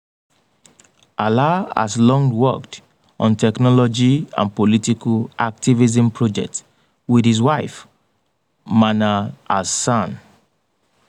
Alaa has long worked on technology and political activism projects with his wife, Manal Hassan.